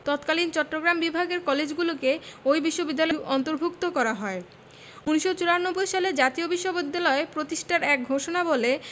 তৎকালীন চট্টগ্রাম বিভাগের কলেজগুলোকে ওই বিশ্ববিদ্যালয়ের অন্তর্ভুক্ত করা হয় ১৯৯৪ সালে জাতীয় বিশ্ববিদ্যালয় প্রতিষ্ঠার এক ঘোষণাবলে